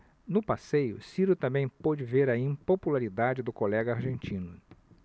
no passeio ciro também pôde ver a impopularidade do colega argentino